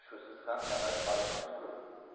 shusiz ham nafas olish mushkul